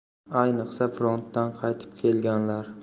ayniqsa frontdan qaytib kelaganlar